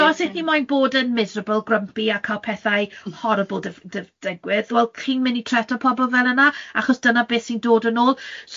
So os y' chi moyn bod yn miserable, grumpy a cael pethau horrible d- d- digwydd, wel chi'n mynd i treto pobl fel yna, achos dyna beth sy'n dod yn ôl.